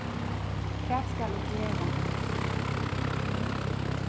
hvat skal eg gera